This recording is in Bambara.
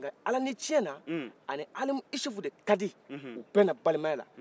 ala ni ciɲɛ na ani alimusufu de kadi u bɛnan balimayala